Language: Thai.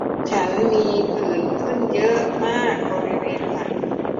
ฉันมีผื่นขึ้นเยอะมากบริเวณหลัง